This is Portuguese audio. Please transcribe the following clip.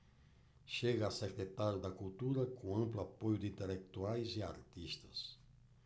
chega a secretário da cultura com amplo apoio de intelectuais e artistas